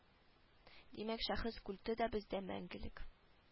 Димәк шәхес культы да бездә мәңгелек